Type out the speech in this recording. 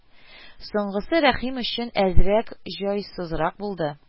Соңгысы Рәхим өчен әзрәк җайсызрак булды